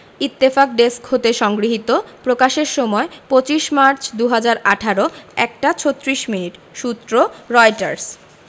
Ittefaq desk হতে সংগৃহীত প্রকাশের সময় ২৫মার্চ ২০১৮ ১ টা ৩৬ মিনিট সূত্রঃ রয়টার্স